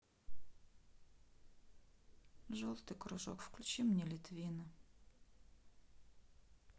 желтый кружок включи мне литвина